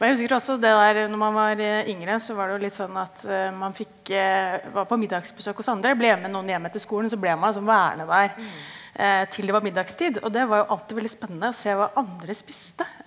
og jeg husker også det der når man var yngre så var det jo litt sånn at man fikk var på middagsbesøk hos andre, ble med noen hjem etter skolen så ble man liksom værende der til det var middagstid, og det var jo alltid veldig spennende å se hva andre spiste.